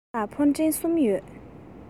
ང ལ ཕུ འདྲེན གསུམ ཡོད